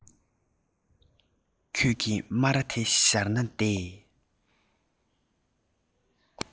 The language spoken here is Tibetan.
ཁྱོད ཀྱི སྨ ར དེ གཞར ན བདེ